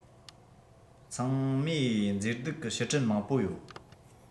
ཚང མས མཛེས སྡུག གི ཕྱིར དྲན མང པོ ཡོད